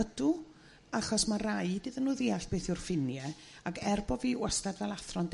Ydw. Achos ma' raid iddyn nhw ddeall beth yw'r ffinie ag er bo' fi wastad fel athro'n